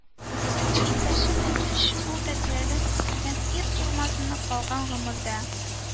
Иптәше белән өч ул тәрбияләп үстергән ир узаманы калган гомердә